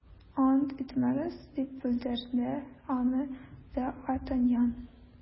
- ант итмәгез, - дип бүлдерде аны д’артаньян.